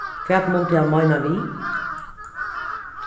hvat mundi hann meina við